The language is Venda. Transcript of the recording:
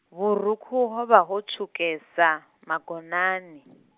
vhurukhu hovha ho tswukesa, magonani.